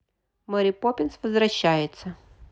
мэри поппинс возвращается